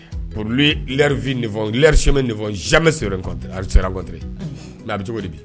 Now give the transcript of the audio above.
Pour lui leur vie ne vont ne vont jamais se rencontre se rencontrer . Oui . Mais a bɛ cogo di bi?